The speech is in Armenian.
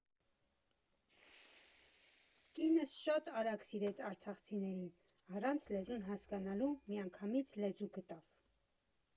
Կինս շատ արագ սիրեց արցախցիներին, առանց լեզուն հասկանալու միանգամից լեզու գտավ։